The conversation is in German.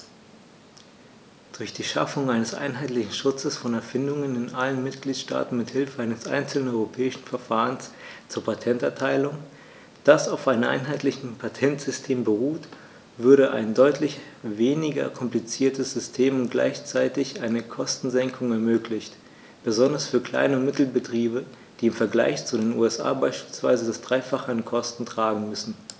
Durch die Schaffung eines einheitlichen Schutzes von Erfindungen in allen Mitgliedstaaten mit Hilfe eines einzelnen europäischen Verfahrens zur Patenterteilung, das auf einem einheitlichen Patentsystem beruht, würde ein deutlich weniger kompliziertes System und gleichzeitig eine Kostensenkung ermöglicht, besonders für Klein- und Mittelbetriebe, die im Vergleich zu den USA beispielsweise das dreifache an Kosten tragen müssen.